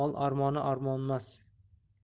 mol armoai armonmas